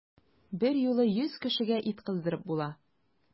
Берьюлы йөз кешегә ит кыздырып була!